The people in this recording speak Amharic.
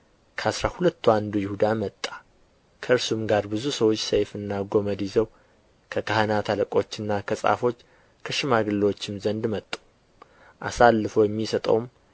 ከአሥራ ሁለቱ አንዱ ይሁዳ መጣ ከእርሱም ጋር ብዙ ሰዎች ሰይፍና ጐመድ ይዘው ከካህናት አለቆችና ከጻፎች ከሽማግሌዎችም ዘንድ መጡ አሳልፎ የሚሰጠውም